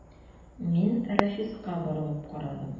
Мин Рафиска борылып карадым.